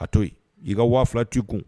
Ka to i ka waaula t'i kun